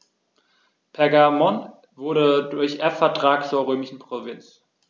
Pergamon wurde durch Erbvertrag zur römischen Provinz.